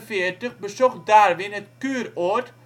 1849 bezocht Darwin het kuuroord